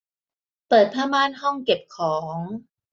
เปิดผ้าม่านห้องเก็บของ